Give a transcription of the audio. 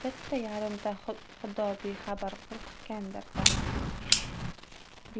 bitta yarimta xudobexabar qo'rqitgandir da